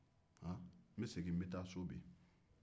n bɛ segin ka taa so bi